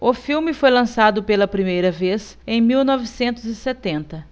o filme foi lançado pela primeira vez em mil novecentos e setenta